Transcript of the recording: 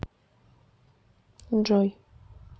joey